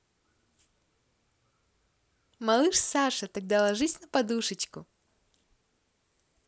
малыш саша тогда ложись на подушечку